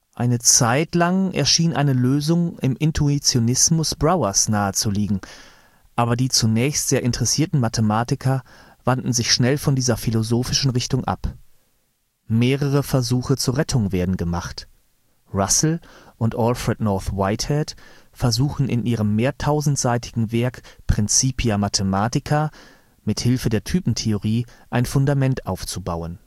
Eine Zeit lang schien eine Lösung im Intuitionismus Brouwers nahezuliegen. Aber die zunächst sehr interessierten Mathematiker wandten sich schnell von dieser philosophischen Richtung ab. Mehrere Versuche zur Rettung werden gemacht: Russell und Alfred North Whitehead versuchen in ihrem mehrtausendseitigen Werk „ Principia Mathematica “mit Hilfe der Typentheorie ein Fundament aufzubauen